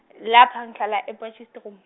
lapha ngihlala e- Potchestroom.